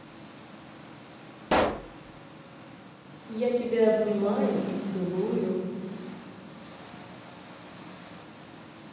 я тебя обнимаю и целую